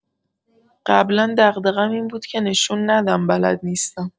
قبلا دغدغم این بود که نشون ندم بلد نیستم.